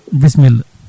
bisimilla